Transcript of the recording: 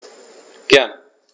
Gern.